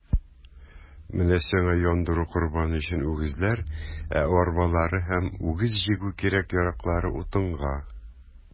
Менә сиңа яндыру корбаны өчен үгезләр, ә арбалары һәм үгез җигү кирәк-яраклары - утынга.